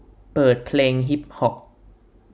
เปิดเพลงฮิปฮอป